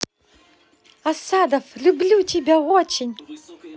асадов люблю тебя очень